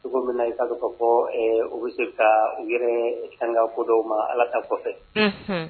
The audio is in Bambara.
Cogo min na i'a ka fɔ u bɛ se ka u yɛrɛ sanga koda ma ala ka kɔfɛ